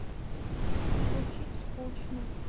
звучит скучно